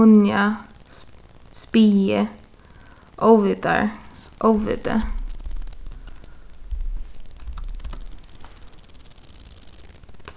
munna spaði óvitar óviti